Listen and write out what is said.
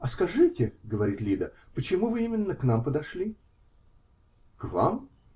-- А скажите, -- говорит Лида, -- почему вы именно к нам подошли? -- К вам?